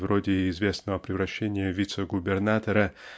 вроде известного превращения вице-губернатора